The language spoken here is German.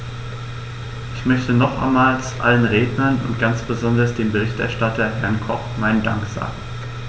Ich möchte nochmals allen Rednern und ganz besonders dem Berichterstatter, Herrn Koch, meinen Dank sagen.